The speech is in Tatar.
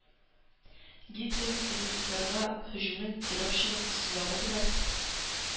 Гитлер эсэсэсэрга һөҗүмен террорчылык ысуллары белән